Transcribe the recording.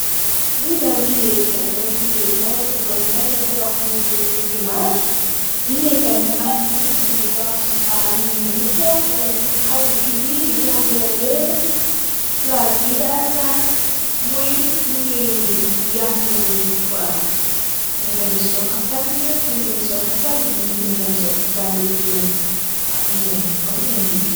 Li daal juleh kai la juleh kai bagi ameh tabax hii jumma Julie kai bi ama nyi nyu gi tog am nyi nyu gi taxaw bi nyen yagi tog nyi nyu gi taxaw d juli di jamu Yallah palas bi daal palis Jule kai la kenen la ki sol yereh bu nuul kenen la GI sol yereh yu weex kenen kagi sol haftan bu bulo nyi legi tog nyi len gi taxaw.